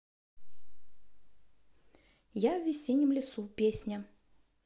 я в весеннем лесу песня